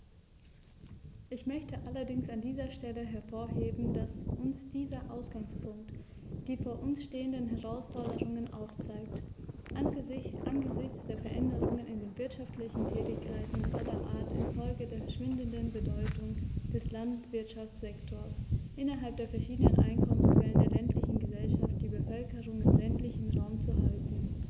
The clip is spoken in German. Ich möchte allerdings an dieser Stelle hervorheben, dass uns dieser Ausgangspunkt die vor uns stehenden Herausforderungen aufzeigt: angesichts der Veränderungen in den wirtschaftlichen Tätigkeiten aller Art infolge der schwindenden Bedeutung des Landwirtschaftssektors innerhalb der verschiedenen Einkommensquellen der ländlichen Gesellschaft die Bevölkerung im ländlichen Raum zu halten.